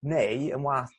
Neu ym wath